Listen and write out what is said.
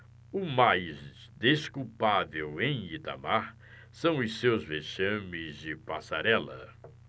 o mais desculpável em itamar são os seus vexames de passarela